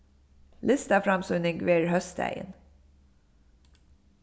listaframsýning verður hósdagin